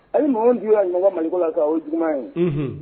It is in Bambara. A mɔgɔ d ɲɔgɔnɔgɔ maliko ka o jugu ye